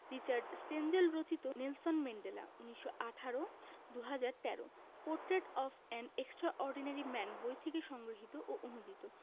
Richard Stengel রচিত Nelson Mandela ১৯১৮ ২০১৩ portrait of an extraordinary man বই থেকে সংগৃহীত ও অনূদিত